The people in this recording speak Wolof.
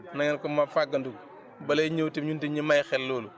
na ngeen ko ma fàggandiku balay ñëw tam ñu bàyyi xel loolu